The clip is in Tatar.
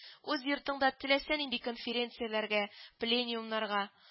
—үз йортыңда теләсә нинди конференцияләргә, пленумнарга